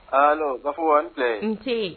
Ah non Gafu a ni tile ! Unse .